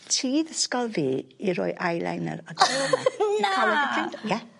ti ddysgodd fi i roi eyeliner . O na!